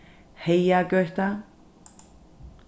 heygagøta